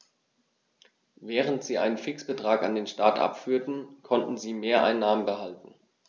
Während sie einen Fixbetrag an den Staat abführten, konnten sie Mehreinnahmen behalten.